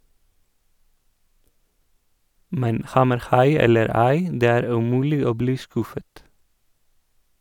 Men hammerhai eller ei - det er umulig å bli skuffet.